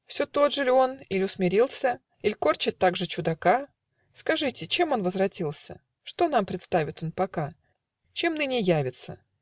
Все тот же ль он иль усмирился? Иль корчит также чудака? Скажите: чем он возвратился? Что нам представит он пока? Чем ныне явится?